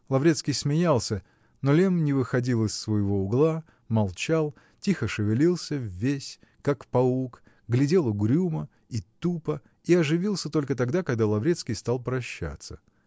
Лаврецкий смеялся, но Лемм не выходил из своего угла, молчал, тихо шевелился весь, как паук, глядел угрюмо и тупо и оживился только тогда, когда Лаврецкий стал прощаться.